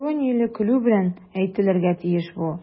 Иронияле көлү белән әйтелергә тиеш бу.